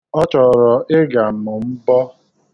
Ọ chọrọ ịga m mbọ.